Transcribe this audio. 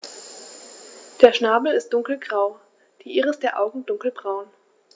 Der Schnabel ist dunkelgrau, die Iris der Augen dunkelbraun.